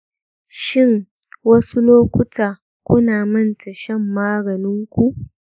shin, wasu lokuta kuna manta shan maganin ku?